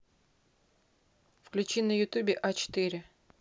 включи на ютубе а четыре